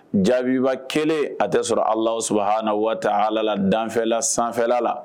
Jaabiba kɛlen a tɛ sɔrɔ ala sabaha na waa ala la danfɛla sanfɛfɛla la